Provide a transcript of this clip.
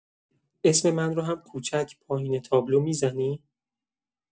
اسم من رو هم کوچک پایین تابلو می‌زنی؟